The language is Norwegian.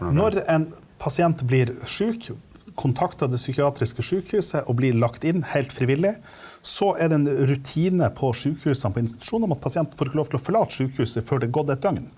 når en pasient blir sjuk, kontakter det psykiatriske sjukehuset og blir lagt inn heilt frivillig, så er det en rutine på sjukehusene på institusjon om at pasienten får ikke lov til å forlate sjukehuset før det er gått et døgn.